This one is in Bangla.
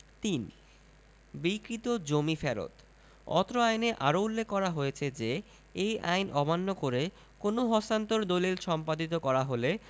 ৩ বিক্রীত জমি ফেরত অত্র আইনে আরো উল্লেখ করা হয়েছে যে এ আইন অমান্য করে কোনও হস্তান্তর দলিল সম্পাদিত করা হলে